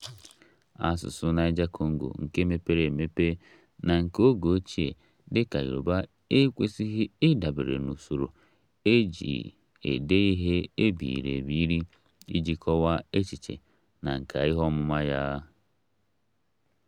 Asụsụ Niger-Congo nke mepere emepe na nke oge ochie dị ka Yorùbá ekwesịghị ịdabere na usoro e ji ede ihe e biiri ebiri iji kọwaa echiche na nkà ihe ọmụma ya.